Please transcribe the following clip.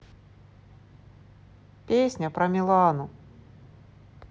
песня про милану